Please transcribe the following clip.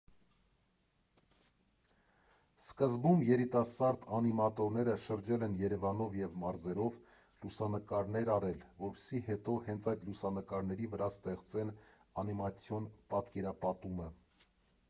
Սկզբում երիտասարդ անիմատորները շրջել են Երևանով և մարզերով, լուսանկարներ արել, որպեսզի հետո հենց այդ լուսանկարների վրա ստեղծեն անիմացիոն պատկերապատումը։